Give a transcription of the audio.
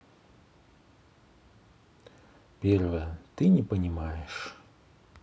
первая ты не понимаешь